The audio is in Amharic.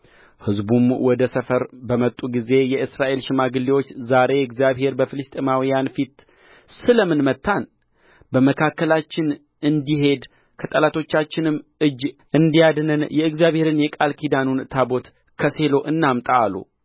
ሕዝቡም ወደ ሰፈር በመጡ ጊዜ የእስራኤል ሽማግሌዎች ዛሬ እግዚአብሔር በፍልስጥኤማውያን ፊት ስለ ምን መታን በመካከላችን እንዲሄዱ ከጠላቶቻችንም እጅ እንዲያድነን የእግዚአብሔርን የቃል ኪዳኑን ታቦት ከሴሎ እናምጣ አሉ